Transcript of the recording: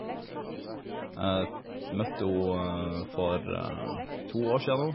Møtte hun for to år sia nå.